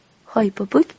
hoy popuk